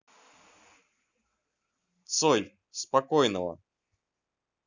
цой спокойного